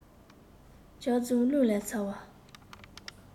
སྐྱག རྫུན རླུང ལས ཚ བ